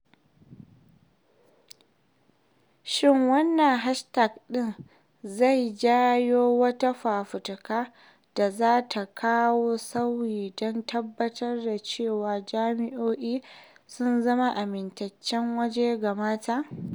Shin wannan 'hashtag' ɗin zai jawo wata fafutuka da za ta kawo sauyi don tabbatar da cewa jami'o'i sun zama amintaccen waje ga mata?